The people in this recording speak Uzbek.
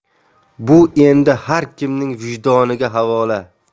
bu endi har kimning vijdoniga havola